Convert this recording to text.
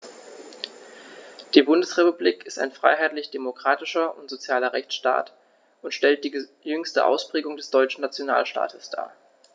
Die Bundesrepublik ist ein freiheitlich-demokratischer und sozialer Rechtsstaat und stellt die jüngste Ausprägung des deutschen Nationalstaates dar.